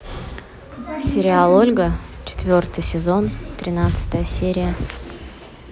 сериал ольга четвертый сезон тринадцатая серия